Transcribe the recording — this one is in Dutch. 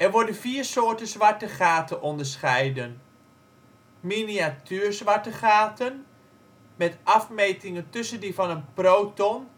worden vier soorten zwarte gaten onderscheiden: Miniatuur zwarte gaten: met afmetingen tussen die van een proton